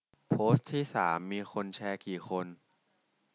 โพสต์ที่สามมีคนแชร์กี่คน